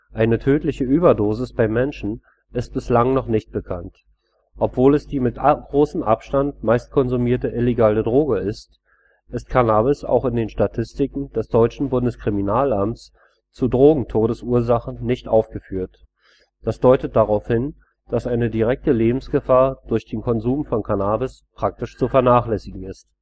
Eine tödliche Überdosis beim Menschen ist bislang noch nicht bekannt. Obwohl es die mit großem Abstand meistkonsumierte illegale Droge ist, ist Cannabis auch in den Statistiken des deutschen Bundeskriminalamts zu Drogentodesursachen nicht aufgeführt; das deutet darauf hin, dass eine direkte Lebensgefahr durch den Konsum von Cannabis praktisch zu vernachlässigen ist